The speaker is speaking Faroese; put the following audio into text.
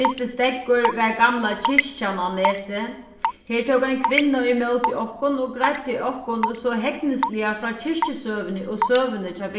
fyrsti steðgur var gamla kirkjan á nesi her tók ein kvinna ímóti okkum og greiddi okkum so hegnisliga frá kirkjusøguni og søguni hjá